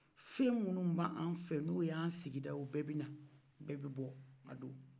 fɛn minnu b'an n'o y'an sigida ye u bɛɛ be na u bɛɛ be bɔ a don